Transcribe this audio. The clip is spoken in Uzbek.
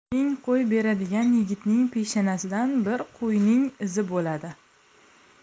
ming qo'y beradigan yigitning peshanasida bir qo'yning izi bo'ladi